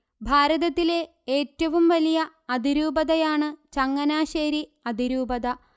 ഭാരതത്തിലെ ഏറ്റവും വലിയ അതിരൂപതയാണ് ചങ്ങനാശ്ശേരി അതിരൂപത